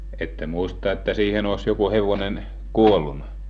ette muista että siihen olisi joku hevonen kuollut